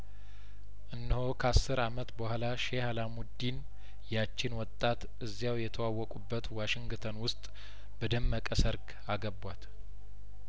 እነሆ ከአስር አመት በኋላ ሼህ አላሙዲን ያቺን ወጣት እዚያው የተዋወቁ በት ዋሽንግተን ውስጥ በደመቀ ሰርግ አገቧት